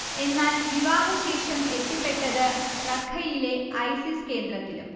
എന്നാൽ, വിവാഹശേഷം എത്തിപ്പെട്ടത് റഖയിലെ ഐസിസ് കേന്ദ്രത്തിലും